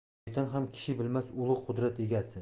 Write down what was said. shayton ham kishi bilmas ulug' qudrat egasi